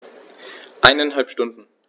Eineinhalb Stunden